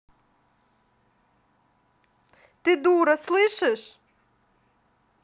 ты дура слышь